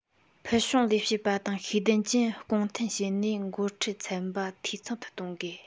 ཕུལ བྱུང ལས བྱེད པ དང ཤེས ལྡན ཅན སྐོང འཐེན བྱས ནས འགོ ཁྲིད ཚན པ འཐུས ཚང དུ བཏང